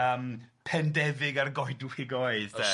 Yym pendefig ar goedwig oedd de.